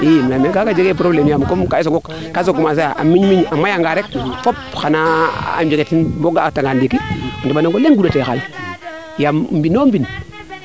im leye kaaga jege probleme yaam comme ka i soogo commencer a maya nga rek xana jegat ndiiki bo a nga a tanga rek o neɓanonga leŋguunda te xaal yaam mbino mbin